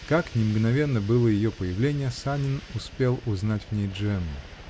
Как ни мгновенно было ее появление, Санин успел узнать в ней Джемму.